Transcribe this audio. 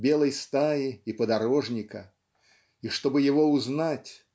"Белой стаи" и "Подорожника" и чтобы его узнать